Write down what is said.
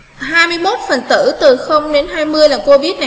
phần tử từ đến là cô bé